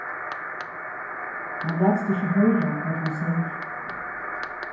hann lætst ikki hoyra hvat hon segði